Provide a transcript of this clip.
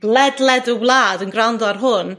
ledled y wlad yn grando ar hwn,